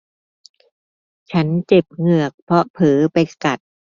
ฉันเจ็บเหงือกเพราะเผลอไปกัด